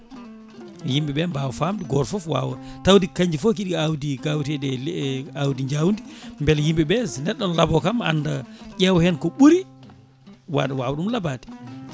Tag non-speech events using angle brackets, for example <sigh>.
yimɓeɓe mbawa famde goto foof wawa tawde kanƴi fo kiɗi awdi gaweteɗi e <hesitation> awdi jawdi beele yimɓeɓe so neɗɗo ne laabi kam anda ƴeewa hen ko ɓuuri waɗa wawa ɗum laabade